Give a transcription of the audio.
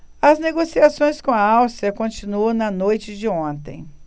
as negociações com a áustria continuavam na noite de ontem